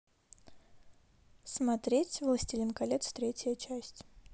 смотреть властелин колец третья часть